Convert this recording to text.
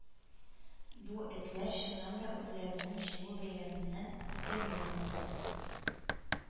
Бу этләр чыннан да үзләренең җиңү бәйрәмнәрен итәләрме